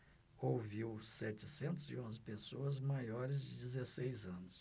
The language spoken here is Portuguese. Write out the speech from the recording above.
ouviu setecentos e onze pessoas maiores de dezesseis anos